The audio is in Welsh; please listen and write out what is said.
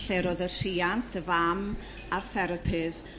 lle ro'dd y rhiant y fam a'r therapydd